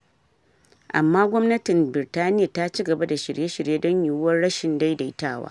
Amma Gwamnatin Birtaniya ta ci gaba da shirye-shirye don yiwuwar rashin daidaitawa.